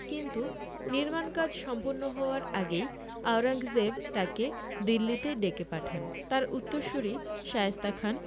কিন্তু নির্মাণ কাজ সম্পন্ন হওয়ার আগেই আওরঙ্গজেব তাঁকে দিল্লিতে ডেকে পাঠান তাঁর উত্তরসূরি শায়েস্তা খান